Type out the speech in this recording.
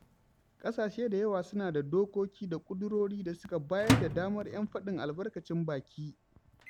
ƙasashe da yawa suna da dokoki da ƙudurori da suka bayar da damar 'yan faɗin albarkacin baki.